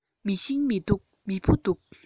མེ ཤིང མི འདུག མེ ཕུ འདུག